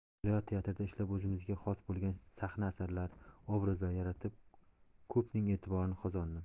viloyat teatrida ishlab o'zimizga xos bo'lgan sahna asarlar obrazlar yaratib ko'pning e'tiborini qozondim